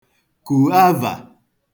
kù ava